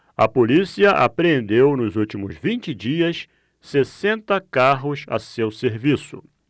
a polícia apreendeu nos últimos vinte dias sessenta carros a seu serviço